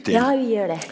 ja, vi gjør det.